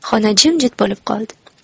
xona jimjit bo'lib qoldi